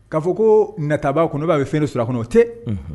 K'a fɔ ko nataba kɔnɔ b'a ye fini su kɔnɔ o tɛ